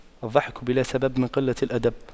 الضحك بلا سبب من قلة الأدب